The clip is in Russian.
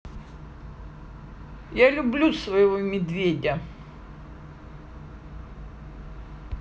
я люблю своего медведя